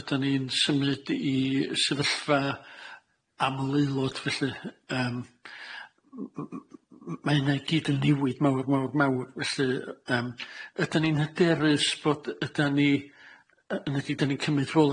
ydan ni'n symud i sefyllfa amlaelod lly yym m- m- m- m- ma' hynna i gyd yn newid mawr mawr mawr felly yym ydan ni'n hyderus bod ydan ni yy yy ydyn ni'n cymryd rôl